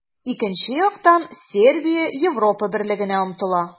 Икенче яктан, Сербия Европа Берлегенә омтыла.